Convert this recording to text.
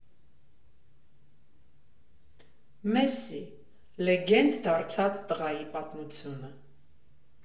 Մեսսի. Լեգենդ դարձած տղայի պատմությունը։